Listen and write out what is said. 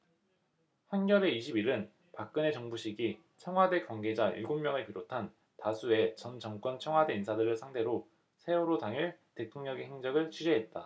한겨레 이십 일 은 박근혜 정부 시기 청와대 관계자 일곱 명을 비롯한 다수의 전 정권 청와대 인사들을 상대로 세월호 당일 대통령의 행적을 취재했다